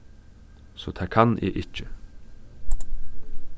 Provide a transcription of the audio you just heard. so tað kann eg ikki